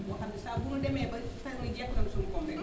boo xam ne saa bu ñu demee ba foog ne jeexal nañu suñu koom rek